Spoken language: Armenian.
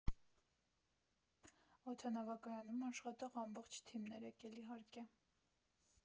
Օդանավակայանում աշխատող ամբողջ թիմն էր եկել, իհարկե։